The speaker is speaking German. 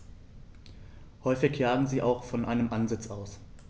Häufig jagen sie auch von einem Ansitz aus.